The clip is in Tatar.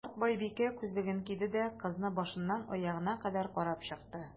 Карт байбикә, күзлеген киде дә, кызны башыннан аягына кадәр карап чыкты.